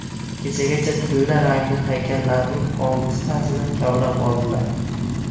kechagacha tilla rangli haykallarning oltitasini kavlab oldilar